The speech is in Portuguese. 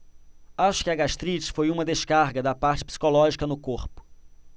acho que a gastrite foi uma descarga da parte psicológica no corpo